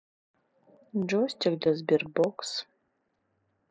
джойстик для sberbox